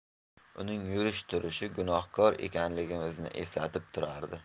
uning yurish turishi gunohkor ekanligimizni eslatib turardi